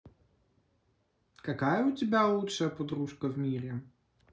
какая у тебя лучшая подружка в мире